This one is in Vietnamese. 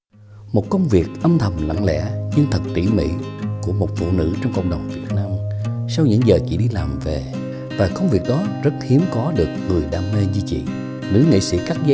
một công việc âm thầm lặng lẽ nhưng thật tỷ mỉ của một phụ nữ trong cộng đồng việt nam sau những giờ chị đi làm về và công việc đó rất hiếm có được người đam mê như chị nữ nghệ sĩ cắt giấy